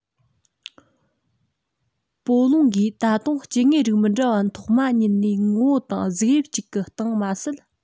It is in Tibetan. པོ ལུང གིས ད དུང སྐྱེ དངོས རིགས མི འདྲ བ ཐོག མ ཉིད ནས ངོ བོ དང གཟུགས དབྱིབས གཅིག གི སྟེང མ ཟད